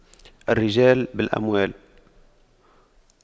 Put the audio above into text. الرجال بالأموال